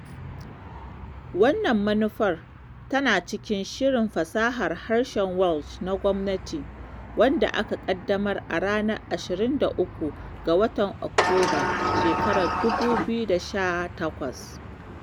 Wannan manufar tana cikin Shirin Fasahar Harshen Welsh ta gwamnati, wadda aka ƙaddamar a ranar 23 ga watan Oktoban 2018.